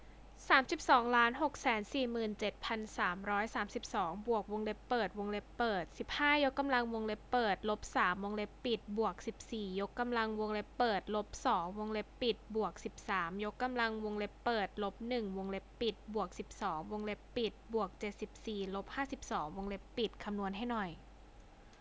สามสิบสองล้านหกแสนสี่หมื่นเจ็ดพันสามร้อยสามสิบสองบวกวงเล็บเปิดวงเล็บเปิดสิบห้ายกกำลังวงเล็บเปิดลบสามวงเล็บปิดบวกสิบสี่ยกกำลังวงเล็บเปิดลบสองวงเล็บปิดบวกสิบสามยกกำลังวงเล็บเปิดลบหนึ่งวงเล็บปิดบวกสิบสองวงเล็บปิดบวกเจ็ดสิบสี่ลบห้าสิบสองวงเล็บปิดคำนวณให้หน่อย